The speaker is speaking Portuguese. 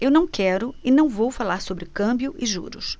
eu não quero e não vou falar sobre câmbio e juros